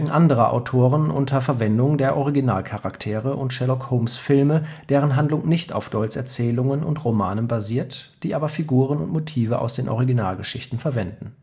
anderer Autoren unter Verwendung der Originalcharaktere und Sherlock-Holmes-Filme, deren Handlung nicht auf Doyles Erzählungen und Romanen basiert, die aber Figuren und Motive aus den Originalgeschichten verwenden